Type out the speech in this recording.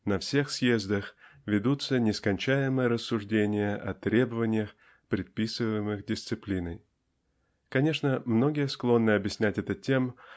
на всех съездах ведутся нескончаемые рассуждения о требованиях предписываемых дисциплиной. Конечно многие склонны объяснять это тем